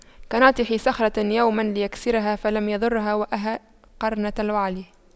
كناطح صخرة يوما ليكسرها فلم يضرها وأوهى قرنه الوعل